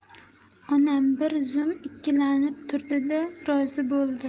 onam bir zum ikkilanib turdi da rozi bo'ldi